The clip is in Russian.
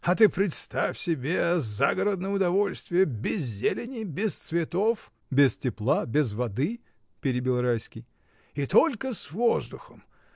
А ты представь себе загородное удовольствие без зелени, без цветов. — Без тепла, без воды. — перебил Райский. — И только с воздухом.